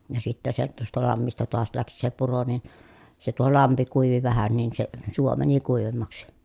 ja sitten se tuosta lammista taas lähti se puro niin se tuo lampi kuivui vähän niin se suo meni kuivemmaksi